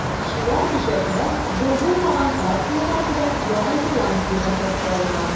Чуар бөҗәкләр, зур булмаган партияләр белән, Яңа Зеландиядә сатып алына.